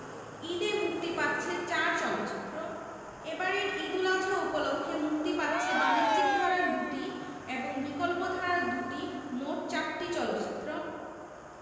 ঈদে মুক্তি পাচ্ছে চার চলচ্চিত্র এবারের ঈদ উল আযহা উপলক্ষে মুক্তি পাচ্ছে বাণিজ্যিক ধারার দুটি এবং বিকল্পধারার দুটি মোট চারটি চলচ্চিত্র